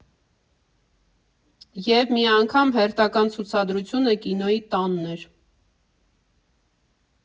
Եվ մի անգամ հերթական ցուցադրությունը Կինոյի տանն էր։